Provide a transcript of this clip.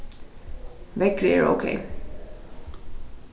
veðrið er ókey